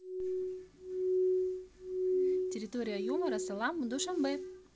территория юмора салам душанбе